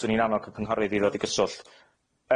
...'swn i'n annog y Cynghorydd i ddod i gyswllt.